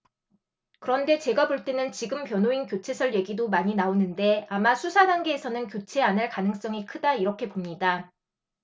그런데 제가 볼 때는 지금 변호인 교체설 얘기도 많이 나오는데 아마 수사 단계에서는 교체 안 할 가능성이 크다 이렇게 봅니다